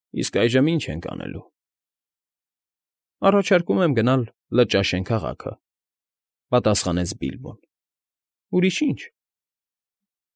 Իսկ այժմ՝ ի՞նչ ենք անելու… ֊ Առաջարկում եմ գնալ Լճաշեն քաղաքը, ֊ պատասխանեց Բիլբոն։֊ Ուրիշ ի՞նչ։